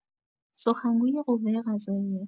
سخنگوی قوه‌قضاییه